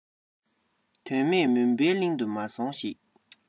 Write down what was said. དོན མེད མུན པའི གླིང དུ མ སོང ཞིག